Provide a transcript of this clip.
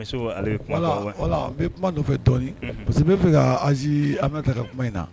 Isufu ale ye kum voilà voilà n bɛ kumaa nɔfɛ dɔɔnin unhun parce que ne bɛ fɛ kaa agit Aminata ka kuma in na